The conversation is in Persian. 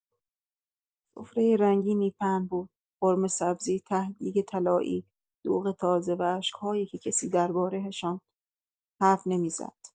سفرۀ رنگینی پهن بود: قورمه‌سبزی، ته‌دیگ طلایی، دوغ تازه، و اشک‌هایی که کسی درباره‌شان حرف نمی‌زد.